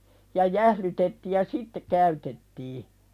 ja jäähdytettiin ja sitten käytettiin